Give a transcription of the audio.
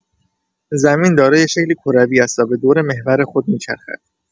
زمین دارای شکلی کروی است و به دور محور خود می‌چرخد.